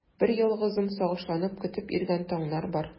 Берьялгызым сагышланып көтеп йөргән таңнар бар.